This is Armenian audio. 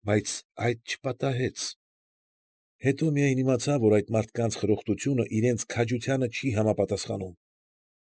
Բայց այդ չպատահեց։ Հետո միայն իմացա, որ այդ մարդկանց խրոխտությունը իրենց քաջությանը չի համապատասխանում։